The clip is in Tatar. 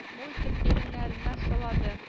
Мул итеп иреннәренә сылады